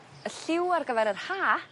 Y lliw ar gyfer yr Ha